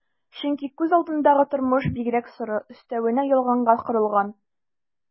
Чөнки күз алдындагы тормыш бигрәк соры, өстәвенә ялганга корылган...